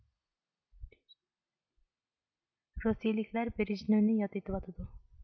روسىيىلىكلەر بېرېژنېۋنى ياد ئېتىۋاتىدۇ